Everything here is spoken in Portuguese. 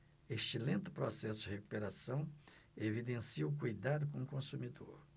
este lento processo de recuperação evidencia o cuidado com o consumidor